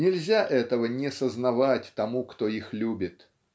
Нельзя этого не сознавать тому, кто их любит.